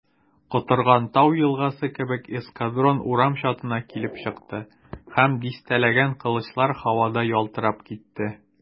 Котырган тау елгасы кебек эскадрон урам чатына килеп чыкты, һәм дистәләгән кылычлар һавада ялтырап китте.